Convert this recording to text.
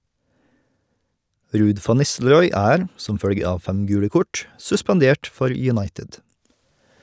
Ruud van Nistelrooy er, som følge av fem gule kort, suspendert for United.